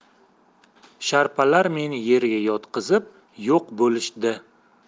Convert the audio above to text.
sharpalar meni yerga yotqizib yo'q bo'lishdi